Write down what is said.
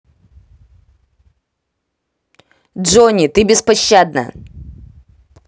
jony ты беспощадна